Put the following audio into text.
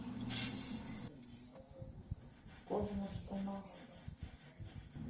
в кожаных штанах